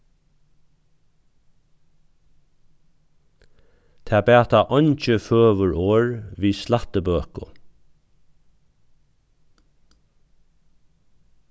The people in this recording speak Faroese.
tað bata eingi føgur orð við slættibøku